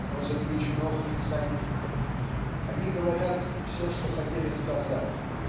оно заключено в них самих они говорят все что хотели сказать